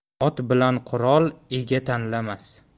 ot bilan qurol ega tanlamas